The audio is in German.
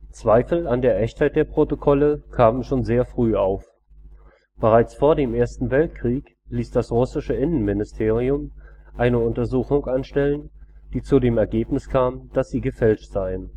Zweifel an der Echtheit der Protokolle kamen schon sehr früh auf. Bereits vor dem Ersten Weltkrieg ließ das russische Innenministerium eine Untersuchung anstellen, die zu dem Ergebnis kam, dass sie gefälscht seien